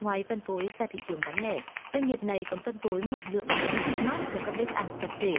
ngoài phân phối ra thị trường bán lẻ doanh nghiệp này còn phân phối một lượng lớn thịt mát cho các bếp ăn tập thể